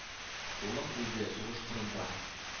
Улың үлде сугыш кырында.